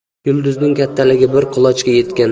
yulduzning kattaligi bir qulochga